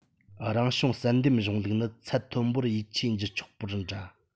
རང བྱུང བསལ འདེམས གཞུང ལུགས ནི ཚད མཐོན པོར ཡིད ཆེས བགྱི ཆོག པར འདྲ